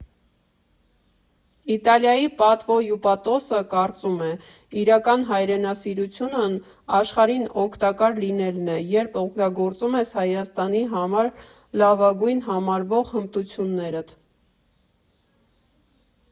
Իտալիայի պատվո հյուպատոսը կարծում է՝ իրական հայրենասիրությունն աշխարհին օգտակար լինելն է, երբ օգտագործում ես Հայաստանի համար լավագույնը համարվող հմտություններդ։